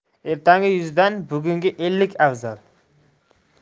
ertangi yuzdan bugungi ellik afzal